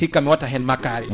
hikka mi watta hen makkari